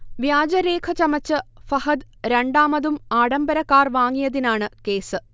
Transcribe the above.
വ്യാജരേഖ ചമച്ച് ഫഹദ് രണ്ടാമതും ആഡംബര കാർ വാങ്ങിയതിനാണ് കേസ്